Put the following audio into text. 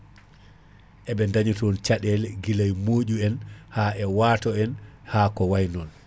eɓe daña ton caɗele guilay moƴu en ha e waato en ha ko way non